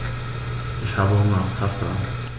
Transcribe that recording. Ich habe Hunger auf Pasta.